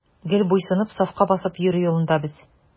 Гел буйсынып, сафка басып йөрү юлында без.